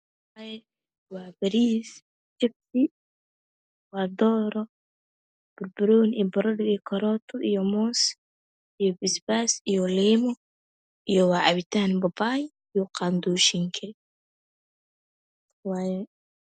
Een Waa bariis jibsi waa dooro barbanooni iyo barandho iyo karooto iyo moos iyo basbaas iyo liimo iyo waa cabitaan babaay muqaado mashiinki waaye